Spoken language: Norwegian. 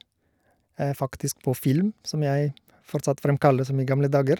Faktisk på film, som jeg fortsatt fremkaller som i gamle dager.